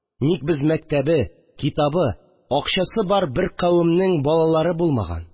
Ник без мәктәбе, китабы, акчасы бар бер кавемнең балалары булмаган